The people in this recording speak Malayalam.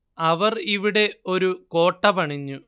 അവര്‍ ഇവിടെ ഒരു കോട്ട പണിഞ്ഞു